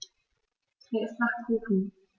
Mir ist nach Kuchen.